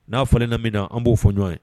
N'a fɔlen na min na an b'o fɔ ɲɔgɔn ye